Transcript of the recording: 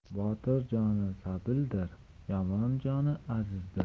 botir joni sabildir yomon joni azizdir